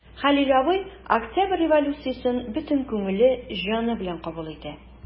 Хәлил абый Октябрь революциясен бөтен күңеле, җаны белән кабул итә.